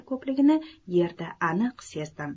ko'pligini yerda aniq sezdim